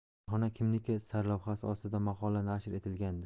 korxona kimniki sarlavhasi ostida maqola nashr etilgandi